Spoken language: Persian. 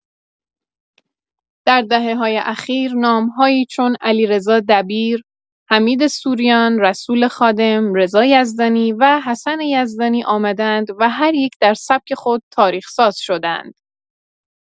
در دهه‌های اخیر نام‌هایی چون علیرضا دبیر، حمید سوریان، رسول خادم، رضا یزدانی و حسن یزدانی آمده‌اند و هر یک در سبک خود تاریخ‌ساز شده‌اند.